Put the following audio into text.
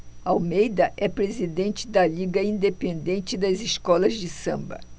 almeida é presidente da liga independente das escolas de samba